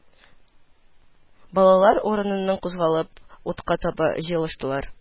Балалар, урыннарыннан кузгалып, утка таба җыелыштылар